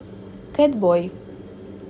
кэтбой